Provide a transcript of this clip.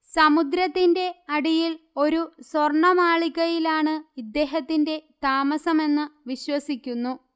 സമുദ്രത്തിന്റെ അടിയിൽ ഒരു സ്വർണ്ണമാളികയിലാണ് ഇദ്ദേഹത്തിന്റെ താമസമെന്ന് വിശ്വസിക്കുന്നു